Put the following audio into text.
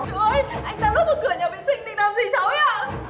chú ơi anh ta núp ở cửa nhà vệ sinh định làm gì cháu ý ạ